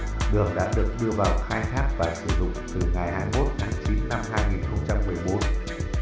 đường đã được đưa vào khai thác từ ngày